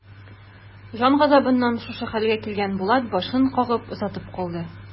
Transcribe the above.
Җан газабыннан шушы хәлгә килгән Булат башын кагып озатып калды.